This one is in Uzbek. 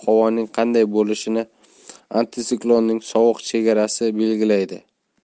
havoning qanday bo'lishini antisiklonning sovuq chegarasi belgilaydi